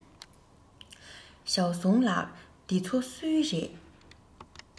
ཞའོ སུང ལགས འདི ཚོ སུའི རེད